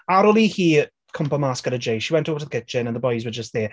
Ar ôl i hi cwympo mas gyda Jay, she went over to the kitchen, and the boys were just there...